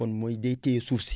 bon mooy day téye suuf si